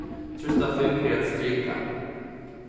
trýst á fimm fyri at strika